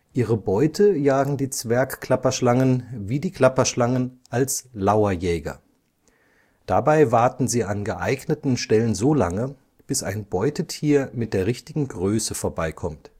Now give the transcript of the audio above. Ihre Beute jagen die Zwergklapperschlangen wie die Klapperschlangen als Lauerjäger. Dabei warten sie an geeigneten Stellen so lange, bis ein Beutetier mit der richtigen Größe vorbeikommt